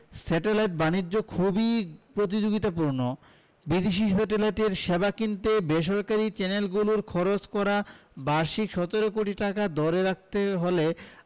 satellite বাণিজ্য খুবই প্রতিযোগিতাপূর্ণ বিদেশি স্যাটেলাইটের সেবা কিনতে বেসরকারি চ্যানেলগুলোর খরচ করা বার্ষিক ১৭ কোটি টাকা ধরে রাখতে হলে